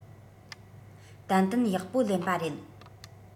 ཏན ཏན ཡག པོ ལེན པ རེད